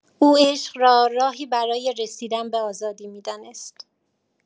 او عشق را راهی برای رسیدن به آزادی می‌دانست؛